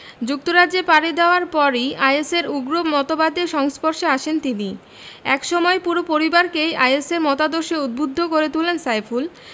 যুক্তরাজ্যে পাড়ি দেওয়ার পরই আইএসের উগ্র মতবাদের সংস্পর্শে আসেন তিনি একসময় পুরো পরিবারকেই আইএসের মতাদর্শে উদ্বুদ্ধ করে তোলেন সাইফুল